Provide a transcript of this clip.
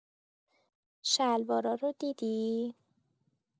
شلوارا رو دیدی؟